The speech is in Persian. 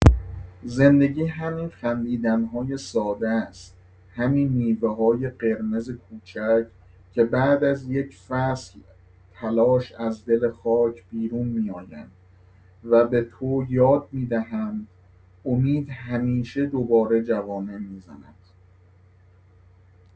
زندگی همین خندیدن‌های ساده است، همین میوه‌های قرمز کوچک که بعد از یک فصل تلاش از دل خاک بیرون می‌آیند و به تو یاد می‌دهند امید همیشه دوباره جوانه می‌زند.